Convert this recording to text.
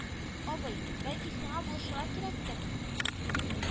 Абый, бәлки, сиңа булышырга кирәктер